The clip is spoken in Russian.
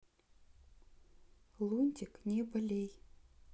лунтик не болей